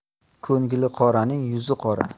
ko'ngli qoraning yuzi qora